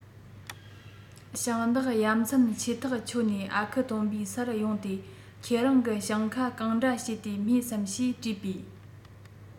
ཞིང བདག ཡ མཚན ཆེ ཐག ཆོད ནས ཨ ཁུ སྟོན པའི སར ཡོང སྟེ ཁྱེད རང གི ཞིང ཁ གང འདྲ བྱས ཏེ རྨོས སམ ཞེས དྲིས པས